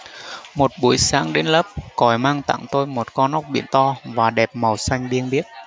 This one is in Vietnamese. một buổi sáng đến lớp còi mang tặng tôi một con ốc biển to và đẹp màu xanh biêng biếc